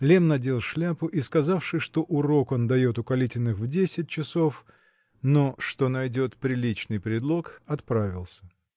Лемм надел шляпу и, сказавши, что урок он дает у Калитиных в десять часов, но что он найдет приличный предлог, отправился.